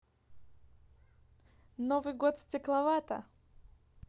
новый год steklovata